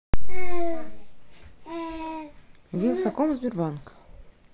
wylsacom сбербанк